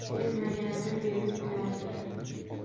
bermaganni berib uyaltir